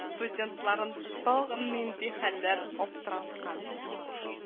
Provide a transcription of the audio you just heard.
Студентларын тагын нинди хәлләр аптыраткан